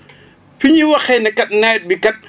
fi ñuy waxee ni kat nawet bi kat